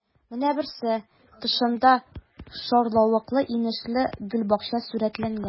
Менә берсе: тышында шарлавыклы-инешле гөлбакча сурәтләнгән.